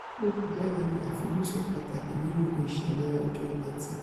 Flake jẹ́ ẹni àfojúsùn pàtàkì nínú ìṣẹ̀lẹ ọjọ́ Ẹtì.